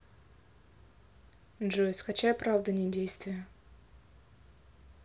джой скачай правда не действия